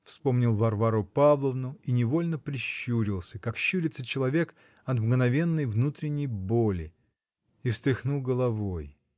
вспомнил Варвару Павловну -- и невольно прищурился, как щурится человек от мгновенной внутренней боли, и встряхнул головой.